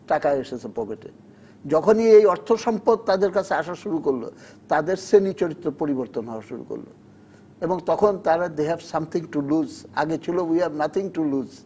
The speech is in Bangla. টাকা এসেছে পকেট এ যখনই এ অর্থ সম্পদ তাদের কাছে আসা শুরু করলো তাদের শ্রেণী চরিত্র পরিবর্তন হওয়া শুরু করলো এবং তখন তারা they have something to do আগে ছিল we have nothing to loose